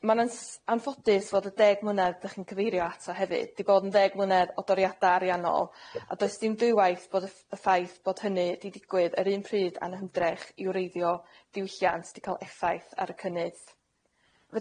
Ma'n yn s- anffodus fod y deg mlynedd 'dach chi'n cyfeirio ato hefyd 'di bod yn ddeg mlynedd o doriada ariannol a does dim dwywaith bod y f- y ffaith bod hynny 'di ddigwydd yr un pryd a'n hymdrech i wreiddio diwylliant 'di ca'l effaith ar y cynnydd.